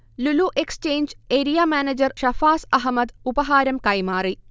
Lulu exchange area manager Shafas Ahmed ഉപഹാരം കൈമാറി